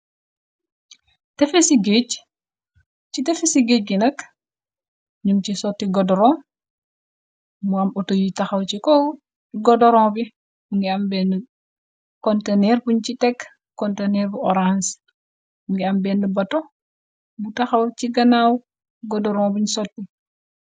ci tefe si géej gi nak ñun ci sotti godoron mu am auto yu taxaw ci godoron bi mu ngi am benn konteneer buñ ci tekk konteneer bu orange mu ngi am bend bato bu taxaw ci ganaaw godoron buñ sotti